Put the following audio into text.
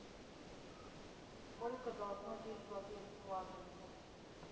сколько должно течь воды из скважины